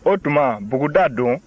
o tuma buguda don